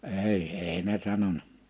ei ei ne sanonut